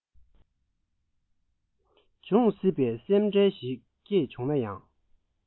འབྱུང སྲིད པའི སེམས ཁྲལ ཞིག སྐྱེས བྱུང ན ཡང